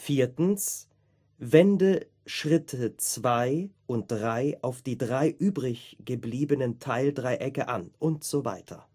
übrig) Wende Schritte 2 und 3 auf die drei übriggebliebenen Teildreiecke an. usw.